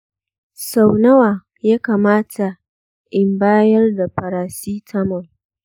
sau nawa ya kamata in bayar da paracetamol?